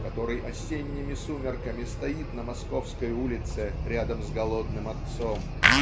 который осенними сумерками стоит на московской улице рядом с голодным отцом?